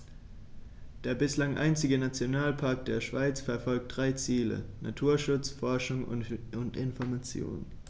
Der bislang einzige Nationalpark der Schweiz verfolgt drei Ziele: Naturschutz, Forschung und Information.